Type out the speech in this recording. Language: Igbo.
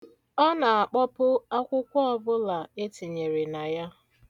Ọ na-akpọpu akwụkwọ ọbụla etinyere na ya.